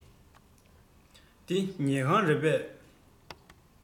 འདི ཉལ ཁང རེད པས